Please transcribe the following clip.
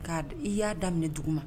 Kaa i y'a daminɛ dugu ma